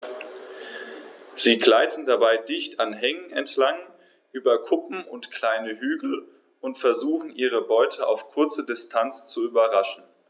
Sie gleiten dabei dicht an Hängen entlang, über Kuppen und kleine Hügel und versuchen ihre Beute auf kurze Distanz zu überraschen.